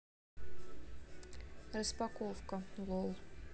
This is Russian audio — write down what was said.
распаковка лол